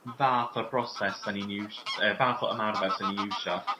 fath o'r broses 'dan ni'n iws- yy fath o ymarfer san ni iwsio